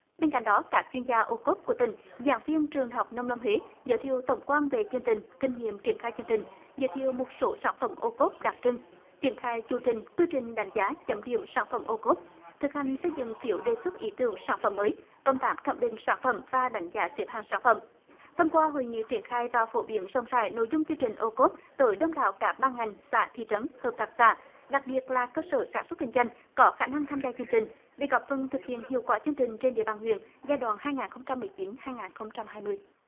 bên cạnh đó các chuyên gia ô cốp của tỉnh giảng viên trường đại học nông lâm huế giới thiệu tổng quan về chương trình kinh nghiệm triển khai chương trình giới thiệu một số sản phẩm ô cốp đặc trưng triển khai chu trình quy trình đánh giá chấm điểm sản phẩm ô cốp thực hành xây dựng phiếu đề xuất ý tưởng sản phẩm mới công tác thẩm định sản phẩm và đánh giá xếp hạng sản phẩm thông qua hội nghị triển khai và phổ biến rộng rãi nội dung chương trình ô cốp tới đông đảo các ban ngành xã thị trấn hợp tác xã đặc biệt là cơ sở sản xuất kinh doanh có khả năng tham gia chương trình để góp phần thực hiện hiệu quả chương trình trên địa bàn huyện giai đoạn hai ngàn không trăm mười chín hai ngàn không trăm hai mươi